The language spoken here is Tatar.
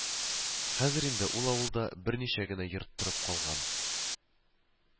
Хәзер инде ул авылда берничә генә йорт торып калган